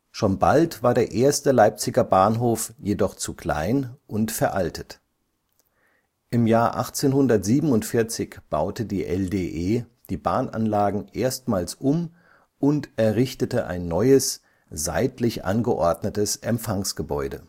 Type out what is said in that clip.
Schon bald war der erste Leipziger Bahnhof jedoch zu klein und veraltet. Im Jahr 1847 baute die LDE die Bahnanlagen erstmals um und errichtete ein neues, seitlich angeordnetes Empfangsgebäude